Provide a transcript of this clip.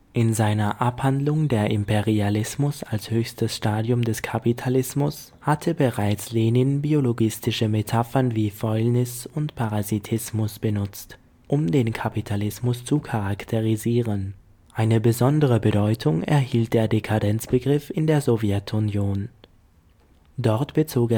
In seiner Abhandlung Der Imperialismus als höchstes Stadium des Kapitalismus (Kapitel VIII Parasitismus und Fäulnis im Kapitalismus) hatte bereits Lenin biologistische Metaphern wie „ Fäulnis “und „ Parasitismus “benutzt, um den Kapitalismus zu charakterisieren. Eine besondere Bedeutung erhielt der Dekadenzbegriff in der Sowjetunion. Dort bezog